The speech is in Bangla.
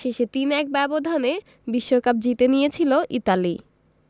শেষে ৩ ১ ব্যবধানে বিশ্বকাপ জিতে নিয়েছিল ইতালি